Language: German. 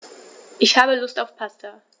Ich habe Lust auf Pasta.